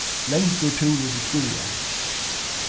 langur túrur til skúvoyar